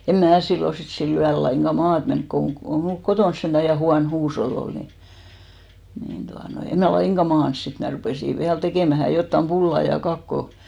en minä silloin sitten sillä yöllä lainkaan maata mennyt kun - kun minulla kotona sentään ja huono huusholli oli niin niin tuota noin en minä lainkaan maannut sitten minä rupesin vielä tekemään jotakin pullaa ja kakkoa